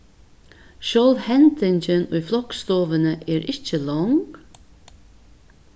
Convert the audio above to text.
sjálv hendingin í floksstovuni er ikki long